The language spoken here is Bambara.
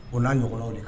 O n' ɲɔgɔngw de